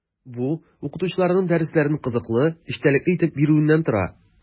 Бу – укытучыларның дәресләрен кызыклы, эчтәлекле итеп бирүеннән тора.